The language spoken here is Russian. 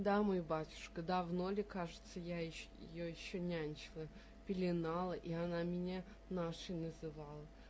-- Да, мой батюшка, давно ли, кажется, я ее еще нянчила, пеленала и она меня Нашей называла.